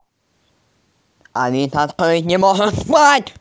а вид открыть не можешь стать